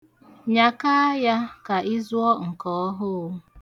Nyakaa ya ka ị zụọ nke ọhụụ.